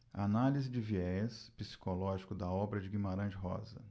análise de viés psicológico da obra de guimarães rosa